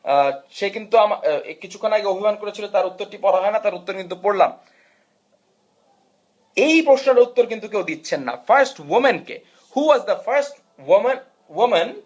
সে কিন্তু কিছুক্ষণ আগে অভিমান করেছিল তার উত্তর টি পড়া হয়না তার উত্তর কিন্তু পড়লাম এই প্রশ্নের উত্তর কিন্তু কেউ দিচ্ছে না ফার্স্ট উওম্যান কে who was the first woman